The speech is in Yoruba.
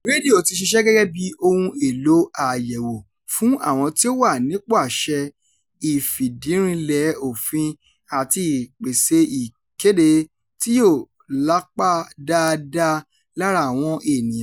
Rédíò ti ṣiṣẹ́ gẹ́gẹ́ bíi ohun èlò àyẹ̀wò fún àwọn tí ó wà nípò àṣẹ, ìfìdírinlẹ̀ òfin àti ìpèsè ìkéde tí yóò lapa dáadáa lára àwọn ènìyàn.